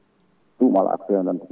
ɗum ala ko fewnanta men